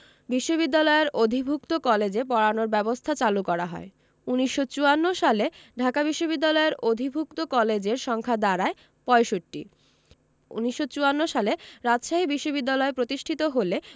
বিশ্ববিদ্যালয়ের অধিভুক্ত কলেজে পড়ানোর ব্যবস্থা চালু করা হয় ১৯৫৪ সালে ঢাকা বিশ্ববিদ্যালয়ের অধিভুক্ত কলেজের সংখ্যা দাঁড়ায় ৬৫ ১৯৫৪ সালে রাজশাহী বিশ্ববিদ্যালয় প্রতিষ্ঠিত হলে